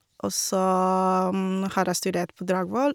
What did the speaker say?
Og så har jeg studert på Dragvoll.